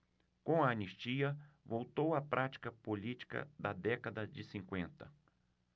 com a anistia voltou a prática política da década de cinquenta